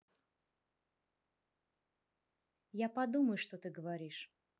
я подумаю что ты говоришь